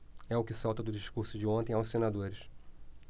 é o que salta do discurso de ontem aos senadores